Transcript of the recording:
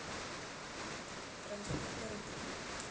трансформеры три